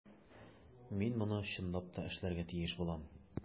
Мин моны чынлап та эшләргә тиеш булам.